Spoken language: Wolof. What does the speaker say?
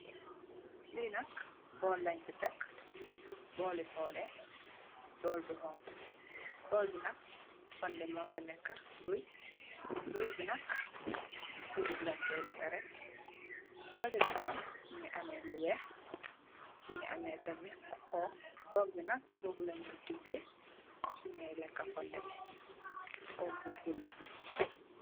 Li nak bowl len fi teck bowli foleh bowl bu xonxo bowl bi nak fonde mofa neka ruur ruur bi nak dugom len koi defareh si kote bi tamit mogi ameh ami tamit mogi ameh lu weex mogi ameh tamit kok kokbi bobu leynyoi so nyui leka fonde bi kok bu bulu.